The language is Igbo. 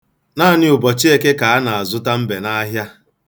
Naanị ụbọchi Eke ka a n-azụta mbe n'ahịa.